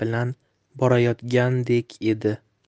bilan borayotgandek edi